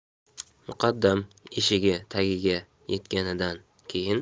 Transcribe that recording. muqaddam eshigi tagiga yetganidan keyin